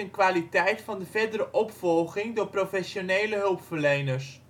kwaliteit van de verdere opvolging door professionele hulpverleners